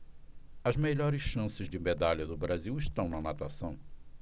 as melhores chances de medalha do brasil estão na natação